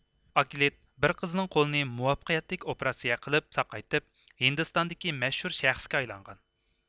ئاكلىت بىر قىزنىڭ قولىنى مۇۋەپپەقىيەتلىك ئوپراتسىيە قىلىپ ساقايتىپ ھىندىستاندىكى مەشھۇر شەخسكە ئايلانغان